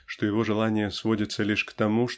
что его желания сводятся лишь к тому